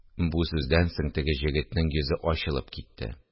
Бу сүздән соң теге җегетнең йөзе ачылып китте: